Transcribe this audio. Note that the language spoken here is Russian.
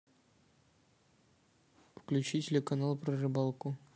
включи телеканал про рыбалку